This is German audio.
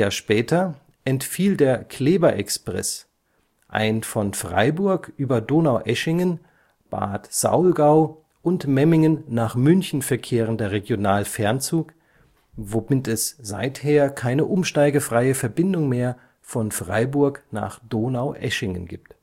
später entfiel der Kleber-Express, ein von Freiburg über Donaueschingen, Bad Saulgau und Memmingen nach München verkehrender Regionalfernzug, womit es seither keine umsteigefreie Verbindung mehr von Freiburg nach Donaueschingen gibt